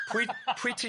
Pwy pwy ti